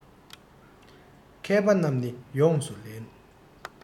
མཁས པ རྣམས ནི ཡོངས སུ ལེན